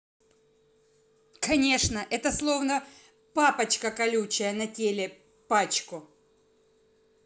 конечно это словно папочка колючая на теле пачку